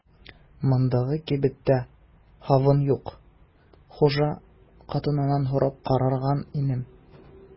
Мондагы кибеттә сабын юк, хуҗа хатыннан сорап караган идем.